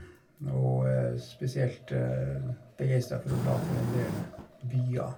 Og er spesielt begeistra for å dra til en del byer.